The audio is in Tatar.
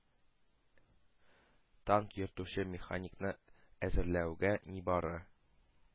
Танк йөртүче механикны әзерләүгә нибары